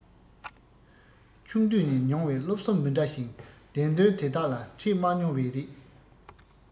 ཆུང དུས ནས མྱོང བའི སློབ གསོ མི འདྲ ཞིང བདེན དོན འདི དག ལ འཕྲད མ མྱོང བས རེད